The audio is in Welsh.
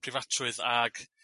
preifatrwydd ag